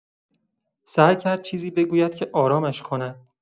سعی کرد چیزی بگوید که آرامش کند.